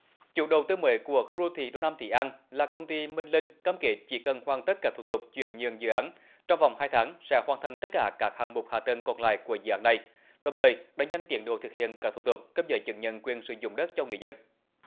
chủ đầu tư mới của khu đô thị đông nam thị anh là công ty minh linh cam kết chỉ cần hoàn tất các thủ tục chuyển nhượng dự án trong vòng hai tháng sẽ hoàn thành tất cả các hạng mục hạ tầng còn lại của dự án này đồng thời đẩy nhanh tiến độ thực hiện các thủ tục cấp giấy chứng nhận quyền sử dụng đất cho người dân